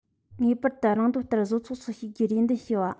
ངེས པར དུ རང འདོད ལྟར བཟོ ཚོགས སུ ཞུགས རྒྱུའི རེ འདུན ཞུ བ